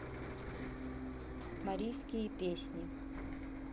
марийские песни